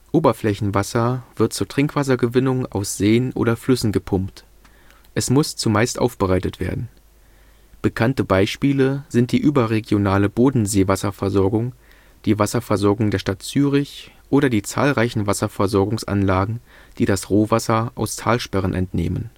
Oberflächenwasser wird zur Trinkwassergewinnung aus Seen oder Flüssen gepumpt. Es muss zumeist aufbereitet werden. Bekannte Beispiele sind die überregionale Bodensee-Wasserversorgung, die Wasserversorgung der Stadt Zürich oder die zahlreichen Wasserversorgungsanlagen, die das Rohwasser aus Talsperren entnehmen